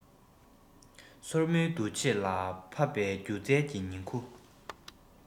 སོར མོའི འདུ བྱེད ལ ཕབ པའི སྒྱུ རྩལ གྱི ཉིང ཁུ